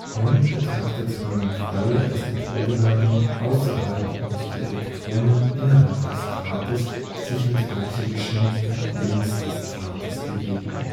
Nun betrachtet man den Fall, dass die Probeladung außerhalb und die Elektronen innerhalb des Drahtes sich mit gleicher Geschwindigkeit längs des Drahtes bewegen